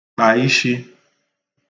kpà ishī